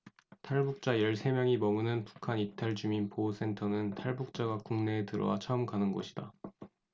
탈북자 열 세 명이 머무는 북한이탈주민보호센터는 탈북자가 국내에 들어와 처음 가는 곳이다